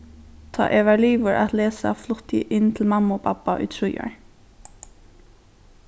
tá eg var liðugur at lesa flutti eg inn til mammu og babba í trý ár